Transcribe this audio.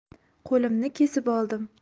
qo'limni kesib oldim